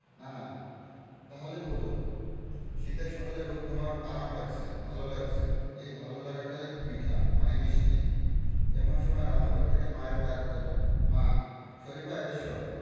নানা তা হলেই বোঝ শীতের সকালে রোদ তোমার আরাম লাগছে ভালো লাগছে এই ভালো লাগাটাই মিঠা মানে মিষ্টি এমন সময় রান্নাঘর থেকে মায়ের ডাক এলো মা শরিফা এসো